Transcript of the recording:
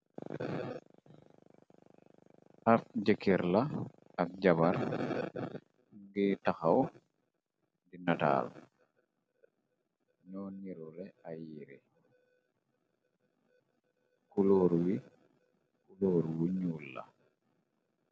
Ab jëkker la ak jabar ngi taxaw di nataalu. Noo nirule ay yiiri kulóor wi, kulóor yu ñuul la.